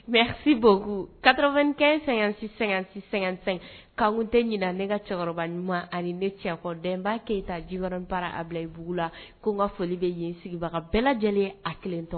Merci beaucoup 95 56 56 55 n tɛ ɲina ne ka cɛkɔrɔba ɲuman ani ne Denba Keyita jikɔrɔni para Abilalayi Bugu la ko n ka foli bɛ yen sigibagaw bɛɛ lajɛlen a 1 tɔ